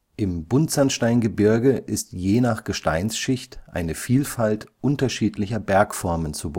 Im Buntsandsteingebirge ist je nach Gesteinsschicht eine Vielfalt unterschiedlicher Bergformen zu